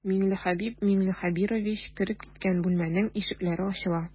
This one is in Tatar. Миңлехәбиб миңлехәбирович кереп киткән бүлмәнең ишекләре ачыла.